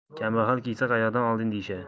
kambag'al kiysa qayoqdan olding